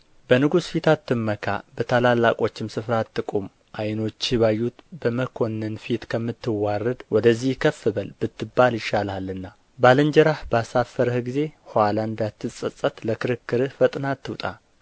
በንጉሥ ፊት አትመካ በታላልቆችም ስፍራ አትቁም ዓይኖችህ ባዩት በመኰንን ፊት ከምትዋረድ ወደዚህ ከፍ በል ብትባል ይሻልሃልና ባልንጀራህ ባሳፈረህ ጊዜ ኋላ እንዳትጸጸት ለክርክር ፈጥነህ አትውጣ